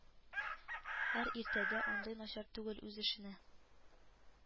Һәр ирдә дә андый начар түгел, үз эшенә